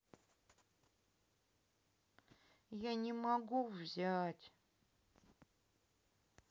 я не могу взять